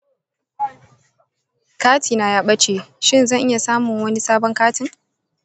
kati na ya ɓace; shin zan iya samun wani sabon katin?